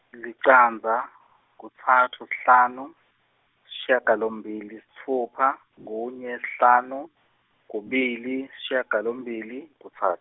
licandza kutsatfu sihlanu, sishiyagalombili sitfupha kunye sihlanu, kubili sishiyagalombili kutsat-.